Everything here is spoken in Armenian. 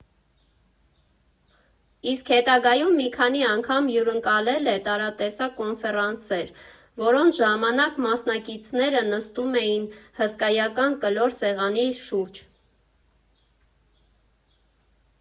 Իսկ հետագայում մի քանի անգամ հյուրընկալել է տարատեսակ կոնֆերանսեր, որոնց ժամանակ մասնակիցները նստում էին հսկայական կլոր սեղանի շուրջ։